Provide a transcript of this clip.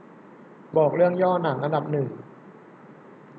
บอกเรื่องย่อหนังอันดับหนึ่ง